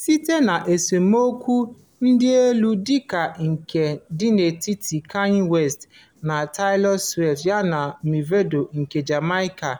Site n'esemokwu ndị dị elu dịka nke dị n'etiti Kanye West na Taylor Swift yana Mavado nke Jamaica